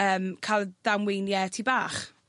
yym ca'l damweinie tŷ bach.